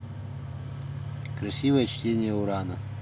красивое чтение урана